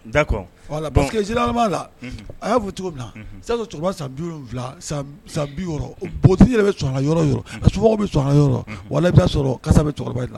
D'accord, voila bon, parce que généralement là unhun, a y'a fɔ cogo min na, unhun, i bɛ ta'a sɔr cɛkɔrɔba san 70, san 60 npogotiginin yɛrɛ bɛ sɔn a la yɔrɔ o yɔrɔ, a somɔɔw bɛ sɔn a la yɔrɔ o yɔrɔ, walahi i bɛ ta'a sɔrɔ kasa bɛ cɛkɔrɔba in na